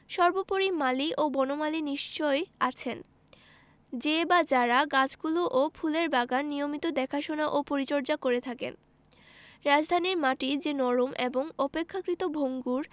সর্বোপরি মালি ও বনমালী নিশ্চয়ই আছেন যে বা যারা গাছগুলো ও ফুলের বাগান নিয়মিত দেখাশোনা ও পরিচর্যা করে থাকেন রাজধানীর মাটি যে নরম এবং অপেক্ষাকৃত ভঙ্গুর